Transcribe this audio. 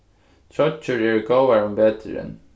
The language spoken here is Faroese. troyggjur eru góðar um veturin